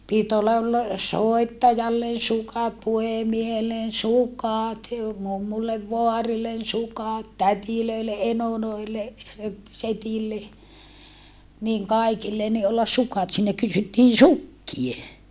piti olla - soittajalle sukat puhemiehelle sukat ja mummulle vaarille sukat tädeille enoille että sedille niin kaikille niin olla sukat siinä kysyttiin sukkia